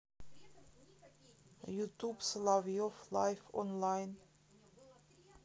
ютуб соловьев лайв онлайн